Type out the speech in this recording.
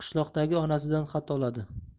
qishloqdagi onasidan xat oladi